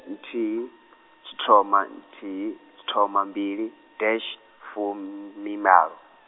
nthihi , tshithoma nthihi, tshithoma mbili, dash, fumimalo.